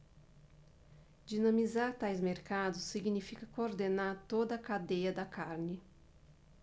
dinamizar tais mercados significa coordenar toda a cadeia da carne